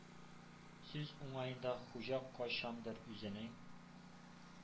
Сүз уңаенда Хуҗа кайчандыр үзенең